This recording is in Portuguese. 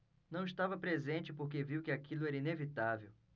não estava presente porque viu que aquilo era inevitável